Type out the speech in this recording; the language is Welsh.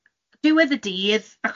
diwedd y dydd,